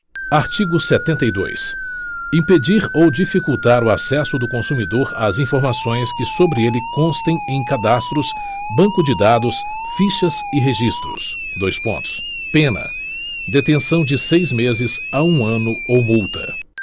artigo setenta e dois impedir ou dificultar o acesso do consumidor às informações que sobre ele constem em cadastros banco de dados fichas e registros dois pontos pena detenção de seis meses a um ano ou multa